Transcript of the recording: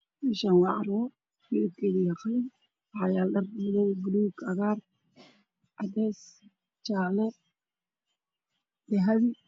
Meeshaan waa carwo midabkeedu uu yahay qalin waxaa yaalo dhar midabkiisu uu yahay Madow, buluug, cagaar , cadeys, jaale iyo dahabi.